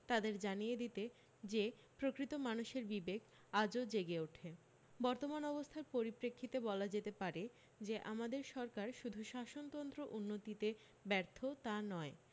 তাদের জানিয়ে দিতে যে প্রকৃত মানুষের বিবেক আজও জেগে ওঠে বর্তমান অবস্থার পরিপ্রেক্ষিতে বলা যেতে পারে যে আমাদের সরকার শুধু শাসনতন্ত্র উন্নতিতে ব্যর্থ তা নয়